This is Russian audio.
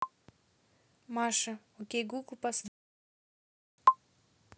маша окей гугл поставь